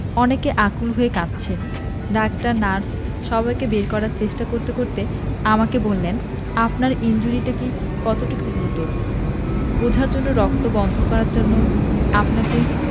অনেকে আকুল হয়ে কাঁদছে ডাক্তার নার্স সবাইকে বের করার চেষ্টা করতে করতে আমাকে বললেন আপনার ইনজুরিটা কতটুকু গুরুতর বোঝার জন্যে রক্ত বন্ধ করার জন্যে আপনাকে